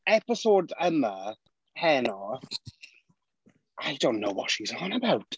Episode yma heno, I don't know what she's on about.